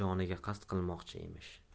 joniga qasd qilmoqchi emish